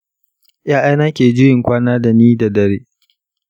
ya'yana ke juyin kwana dani da dare.